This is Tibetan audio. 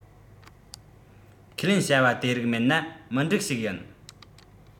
ཁས ལེན བྱ བ དེ རིགས མེད ན མི འགྲིག ཞིག ཡིན